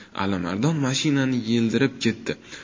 alimardon mashinani yeldirib ketdi